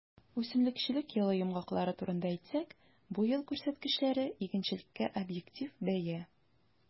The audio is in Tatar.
Үсемлекчелек елы йомгаклары турында әйтсәк, бу ел күрсәткечләре - игенчелеккә объектив бәя.